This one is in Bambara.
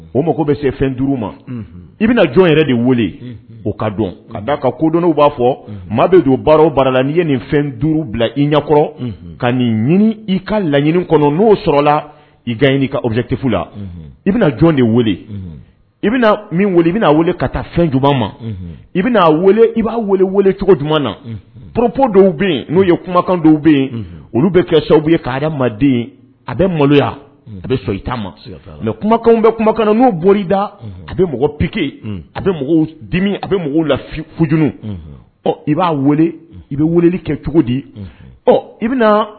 Kodɔnw'a fɔ maa donw bara la n'i ye nin duuru bila i ɲɛkɔrɔ ka i ka laɲini n' la i i i bɛna ka taa ma i i'a cogo na porop dɔw bɛ n'u ye kumakan dɔw bɛ olu bɛ kɛ sababu ye ka mandenden a bɛ maloya a bɛ so ita ma mɛ kumakan bɛ kumakan n'u boli da a bɛ mɔgɔ pke a bɛ dimi a bɛ mɔgɔw la futj ɔ i b'a i bɛ weleli kɛ cogo di